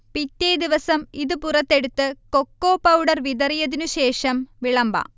പിറ്റേദിവസം ഇത് പുറത്തെടുത്ത് കൊക്കോ പൗഡർ വിതറിയതിനു ശേഷം വിളമ്പാം